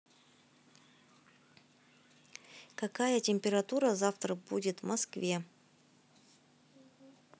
какая температура завтра будет в москве